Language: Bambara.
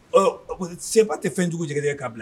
Ɔ seba tɛ fɛn cogojɛ ye k' bila